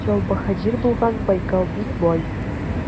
Чал баһадир булган Байкал бик бай.